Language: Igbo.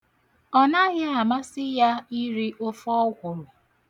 Ọnaghị amasị ya iri ofe ọkwụrụ.